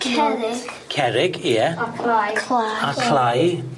Cerrig. Cerrig ie. A clai. Clai. A clai.